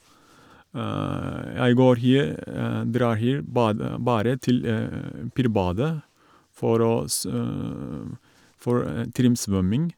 Jeg går her drar her bad bare til Pirbadet for å s for trimsvømming.